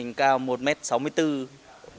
mình cao một mét sáu mươi tư